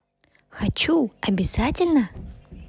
хочу обязательно